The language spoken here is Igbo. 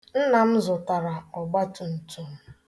Nna m zụtara ọgbatumtum